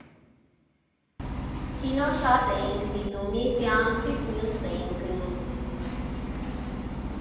Կինո շատ էինք դիտում՝ մի սեանսից մյուսն էինք գնում։